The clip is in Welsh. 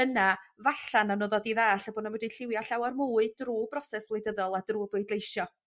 yna falla nawn nw ddod i ddall' y bo' nw medru lliwio llawer mwy drw broses wleidyddol a drw'r bleidleisio.